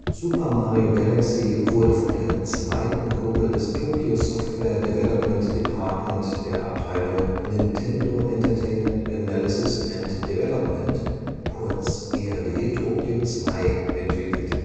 Super Mario Galaxy wurde von der zweiten Gruppe des Tokyo Software Development Department der Abteilung Nintendo Entertainment Analysis & Development (EAD Tokyo 2) entwickelt